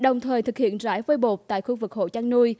đồng thời thực hiện rải vôi bột tại khu vực hộ chăn nuôi